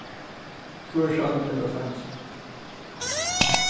hvør sang hendan sangin